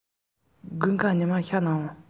ཐད ཀར གཅར རྡུང བྱེད ཀྱི རེད